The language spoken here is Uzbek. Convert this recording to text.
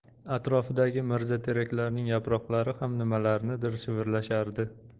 atrofidagi mirzateraklarning yaproqlari ham nimalarnidir shivirlashardi